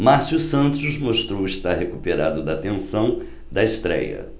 márcio santos mostrou estar recuperado da tensão da estréia